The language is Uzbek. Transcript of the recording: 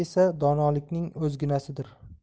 esa donolikning o'zginasidir